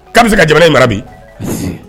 K'a bɛ se ka jamana in mara bi.